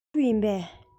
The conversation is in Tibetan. རང སློབ ཕྲུག ཡིན པས